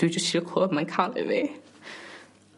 dwi jyst isio clŵad mae'n caru fi.